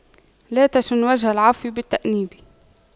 لا تشن وجه العفو بالتأنيب